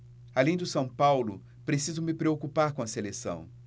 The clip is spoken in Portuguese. além do são paulo preciso me preocupar com a seleção